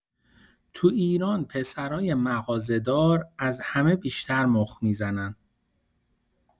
تو ایران پسرای مغازه‌دار از همه بیشتر مخ می‌زنن!